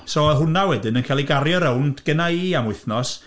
So oedd hwnna wedyn yn cael ei gario rownd genna i am wythnos...